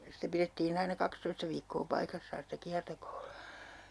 sitä pidettiin aina kaksitoista viikkoa paikassaan sitä -